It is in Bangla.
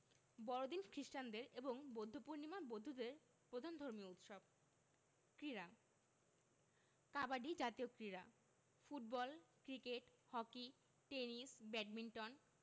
বড়দিন খ্রিস্টানদের এবং বৌদ্ধপূর্ণিমা বৌদ্ধদের প্রধান ধর্মীয় উৎসব ক্রীড়াঃ কাবাডি জাতীয় ক্রীড়া football cricket hockey tennis badminton